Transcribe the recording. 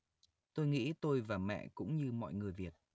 tôi nghĩ tôi và mẹ cũng như mọi người việt